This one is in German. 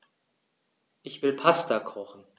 Ich will Pasta kochen.